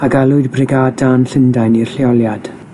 a galwyd brigâd dân Llundain i'r lleoliad.